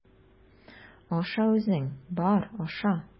Аша үзең, бар, аша!